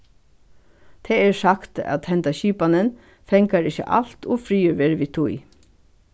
tað er sagt at henda skipanin fangar ikki alt og friður veri við tí